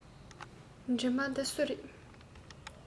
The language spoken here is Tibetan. གྲིབ མ དེ སུ རེད